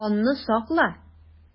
Ханны сакла!